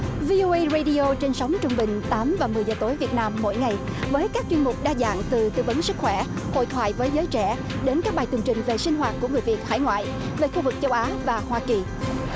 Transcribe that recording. vi âu ây rây đi âu trên sóng trung bình tám và mười giờ tối việt nam mỗi ngày với các chuyên mục đa dạng từ tư vấn sức khỏe hội thoại với giới trẻ đến các bài tường trình về sinh hoạt của người việt hải ngoại về khu vực châu á và hoa kỳ